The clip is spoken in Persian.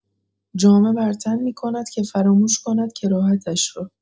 جامه بر تن می‌کند که فراموش کند کراهتش را.